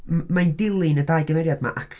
M- mae'n dilyn y dau gymeriad 'ma ac...